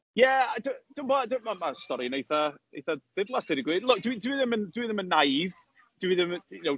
Ie a dwi dwmbo, 'di... ma' ma'r stori'n eitha, eitha diflas deud y gwir. Look dwi dwi ddim yn dwi ddim yn naïve, dwi ddim, you know...